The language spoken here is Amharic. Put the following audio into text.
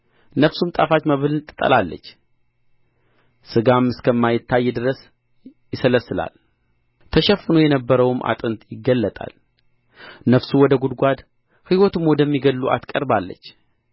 ነፍሱም ጣፋጭ መብልን ትጠላለች ሥጋው እስከማይታይ ድረስ ይሰለስላል ተሸፍኖ የነበረውም አጥንት ይገለጣል ነፍሱ ወደ ጕድጓዱ ሕይወቱም ወደሚገድሉአት ቀርባለች